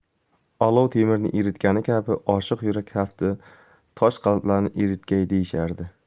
olov temirni eritgani kabi oshiq yurak tafti tosh qalblarni eritgay deyishardi